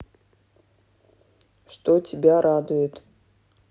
что тебя радует